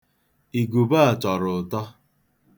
Igube a tọrọ ụtọ.